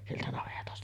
sieltä navetasta